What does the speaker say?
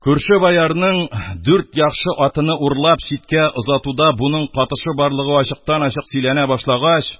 Күрше боярның дүрт яхшы атыны урлап, читкә озатуда буның катышы барлыгы ачыктан-ачык сөйләнә башлагач